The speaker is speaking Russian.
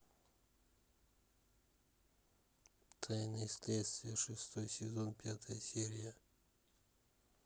тайны следствия шестой сезон пятая серия